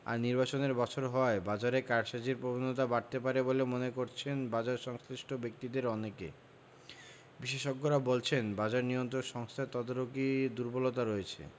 আর নির্বাচনের বছর হওয়ায় বাজারে কারসাজির প্রবণতা বাড়তে পারে বলে মনে করছেন বাজারসংশ্লিষ্ট ব্যক্তিদের অনেকে বিশেষজ্ঞরা বলছেন বাজারে নিয়ন্ত্রক সংস্থার তদারকি দুর্বলতা রয়েছে